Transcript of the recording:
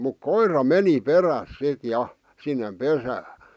mutta koira meni perässä sitten ja sinne pesään